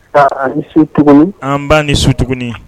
Pa a ni su tuguni, an b'a ni su tuguni